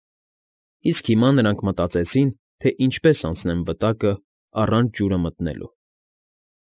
Իսկ հիմա նրանք մտածեցին, թե ինչպես անցնեն վտակը առանց ջուրը մտնելու։